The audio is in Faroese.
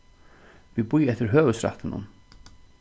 vit bíða eftir høvuðsrættinum